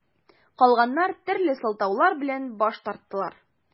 Калганнар төрле сылтаулар белән баш тарттылар.